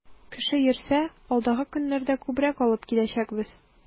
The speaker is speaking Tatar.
Кеше йөрсә, алдагы көннәрдә күбрәк алып киләчәкбез.